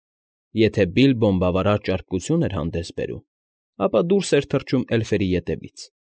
Եթե Բիլբոն բավարար ճարպկություն էր հանդես բերում, ապա դուրս էր թռչում էլֆերի ետևից։